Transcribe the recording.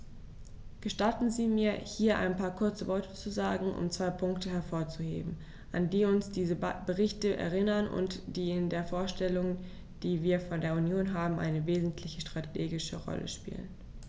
Gestatten Sie mir, hier ein paar kurze Worte zu sagen, um zwei Punkte hervorzuheben, an die uns diese Berichte erinnern und die in der Vorstellung, die wir von der Union haben, eine wesentliche strategische Rolle spielen.